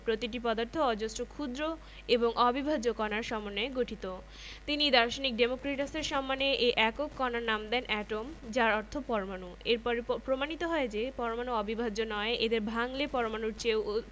কিন্তু চমকপ্রদ ব্যাপারটি কী জানো প্রকৃতিতে মাত্র চার রকমের বল রয়েছে ওপরে যে তালিকা দেওয়া হয়েছে সেগুলোকে বিশ্লেষণ করা হলে দেখা যাবে এগুলো ঘুরে ফিরে এই চার রকমের বাইরে কোনোটা নয়